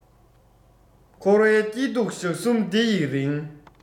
འཁོར བའི སྐྱིད སྡུག ཞག གསུམ འདི ཡི རིང